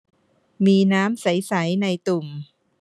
มีน้ำใสใสในตุ่ม